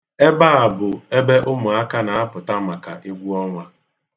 Ebe a bụ ebe ụmụaka na-apụta maka egwu ọnwa.